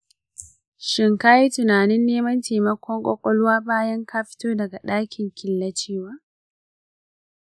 shin kayi tunanin neman taimakon kwakwalwa bayan ka fito daga dakin killacewa?